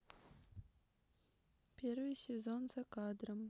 первый сезон за кадром